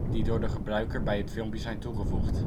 die door de gebruiker bij het filmpje zijn toegevoegd